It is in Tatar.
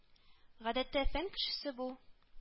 Гадәттә, фән кешесе бу